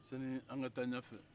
sanni an ka taa ɲɛfɛ